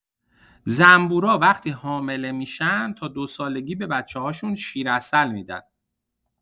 زنبورا وقتی حامله می‌شن تا دو سالگی به بچه‌هاشون شیرعسل می‌دن.